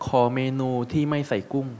ขอเมนูที่ไม่ใส่กุ้ง